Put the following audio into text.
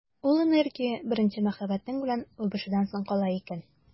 Ул энергия беренче мәхәббәтең белән үбешүдән соң кала икән.